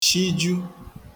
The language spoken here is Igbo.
shiju